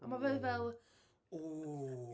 Ond mae fe fel... Ww.